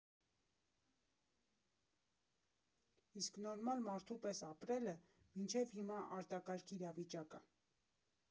Իսկ նորմալ մարդու պես ապրելը մինչև հիմա արտակարգ իրավիճակ ա։